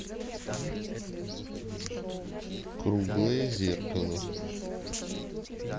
круглое зеркало